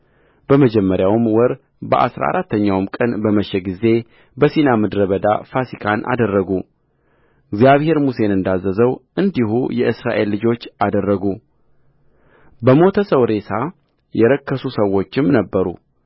በመጀመሪያውም ወር በአሥራ አራተኛው ቀን በመሸ ጊዜ በሲና ምድረ በዳ ፋሲካን አደረጉ እግዚአብሔር ሙሴን እንዳዘዘው እንዲሁ የእስራኤል ልጆች አደረጉበሞተ ሰው ሬሳ የረከሱ ሰዎችም ነበሩ